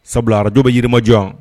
Sabularaj bɛ jirimajɔ